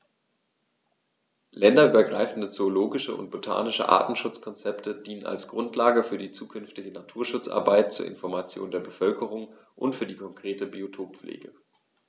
Länderübergreifende zoologische und botanische Artenschutzkonzepte dienen als Grundlage für die zukünftige Naturschutzarbeit, zur Information der Bevölkerung und für die konkrete Biotoppflege.